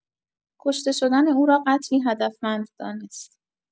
کشته شدن او را قتلی هدفمند دانست.